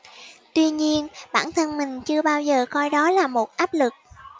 tuy nhiên bản thân mình chưa bao giờ coi đó là một áp lực